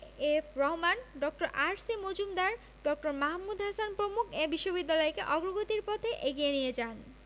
F Rahman ড. R C Majumdar ড. মাহমুদ হাসান প্রমুখ এ বিশ্ববিদ্যালয়কে অগ্রগতির পথে এগিয়ে নিয়ে যান